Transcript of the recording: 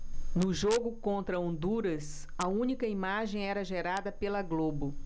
no jogo contra honduras a única imagem era gerada pela globo